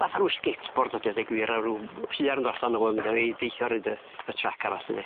Fatha ryw skateboard ydi o deu gwir a ryw piar yn do' allan o fo a mynd â 'i i deithioar 'yd y y trac arall 'lly de.